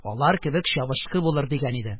Алар кебек чабышкы булыр... - дигән иде.